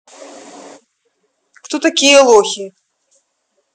кто такие лохи